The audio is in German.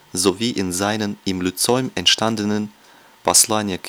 sowie in seinen im Lyzeum entstandenen Poslanie